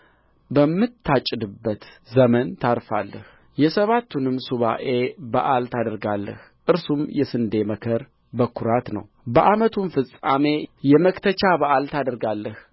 በምታጭድበት ዘመን ታርፋለህ የሰባቱንም ሱባዔ በዓል ታደርጋለህ እርሱም የስንዴ መከር በኵራት ነው በዓመቱም ፍጻሜ የመክተቻ በዓል ታደርጋለህ